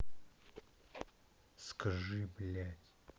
скажи блять